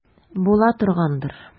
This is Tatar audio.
Була торгандыр.